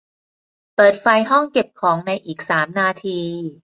เปิดไฟห้องเก็บของในอีกสามนาที